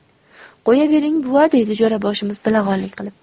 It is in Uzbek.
qo'yavering buva deydi jo'raboshimiz bilag'onlik qilib